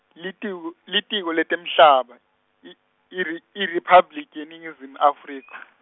Litiko, Litiko leTemhlaba, i- iRi- IRiphabliki yeNingizimu Afrika.